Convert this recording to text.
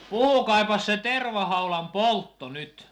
puhukaapas se tervahaudan poltto nyt